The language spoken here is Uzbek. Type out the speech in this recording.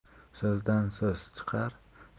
so'zdan so'z chiqar